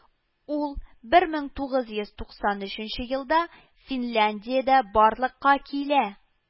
Ул бер мең тугыз йөз туксан өченче елда Финляндиядә барлыкка килә